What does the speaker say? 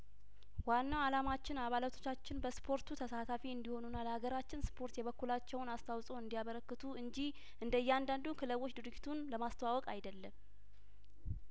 ዋናው አላማችን አባላቶቻችን በስፖርቱ ተሳታፊ እንዲሆኑና ለሀገራችን ስፖርት የበኩላቸውን አስታውጽኦ እንዲያበረክቱ እንጂ እንደ እያንዳንዱ ክለቦች ድርጅቱን ለማስተዋወቅ አይደለም